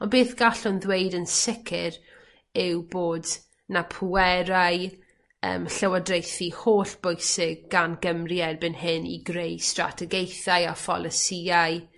On' beth gallwn ddweud yn sicir yw bod 'na pwerau yym llywodraethu hollbwysig gan Gymru erbyn hyn i greu strategaethau a pholisïau